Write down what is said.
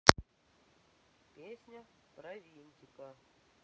песня про винтика